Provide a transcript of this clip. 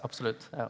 absolutt ja.